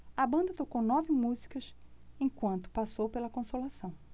a banda tocou nove músicas enquanto passou pela consolação